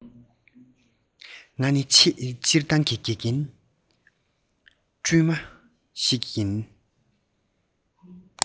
ང ནི ཆེས སྤྱིར བཏང གི དགེ རྒན དཀྱུས མ ཞིག ཡིན